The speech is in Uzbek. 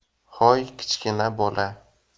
hoy kichkina bola